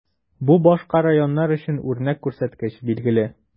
Бу башка районнар өчен үрнәк күрсәткеч, билгеле.